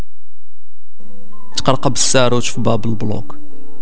القدس عروس شباب البنوك